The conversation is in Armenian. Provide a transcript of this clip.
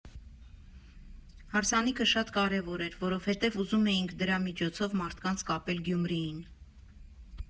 Հարսանիքըը շատ կարևոր էր, որովհետև ուզում էինք դրա միջոցով մարդկանց կապել Գյումրիին։